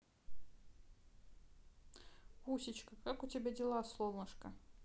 пусечка как у тебя дела солнышко